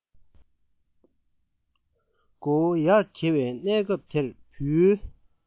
མགོ བོ ཡར དགྱེ བའི གནས སྐབས དེར བུའི